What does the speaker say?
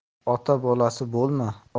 ota bolasi bo'lma